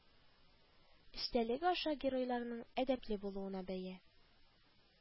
Эчтəлеге аша геройларның əдəпле булуына бəя